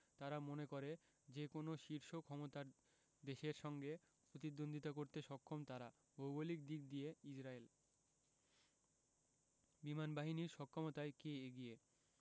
তারা মনে করে যেকোনো শীর্ষ ক্ষমতার দেশের সঙ্গে প্রতিদ্বন্দ্বিতা করতে সক্ষম তারা ভৌগোলিক দিক দিয়ে ইসরায়েল বিমানবাহীর সক্ষমতায় কে এগিয়ে